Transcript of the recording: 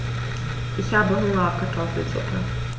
Ich habe Hunger auf Kartoffelsuppe.